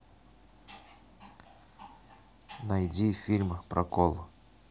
найди фильм прокол